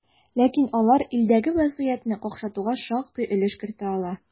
Ләкин алар илдәге вазгыятьне какшатуга шактый өлеш кертә ала.